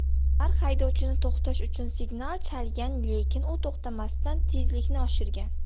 ular haydovchini to'xtash uchun signal chalgan lekin u to'xtamasdan tezlikni oshirgan